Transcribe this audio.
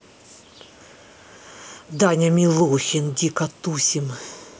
даня милохин дико тусим